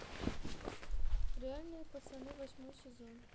реальные пацаны восьмой сезон